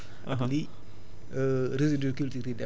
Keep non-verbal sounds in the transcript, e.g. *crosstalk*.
*smacks lips* phospahte li matière organique di def